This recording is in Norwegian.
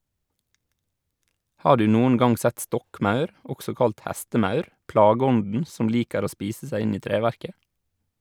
Har du noen gang sett stokkmaur, også kalt hestemaur, plageånden som liker å spise seg inn i treverket?